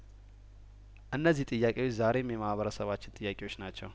እነዚህ ጥያቄዎች ዛሬም የማህበረ ሰባችን ጥያቄዎች ናቸው